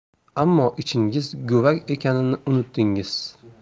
ammo ichingiz g'ovak ekanini unutdingiz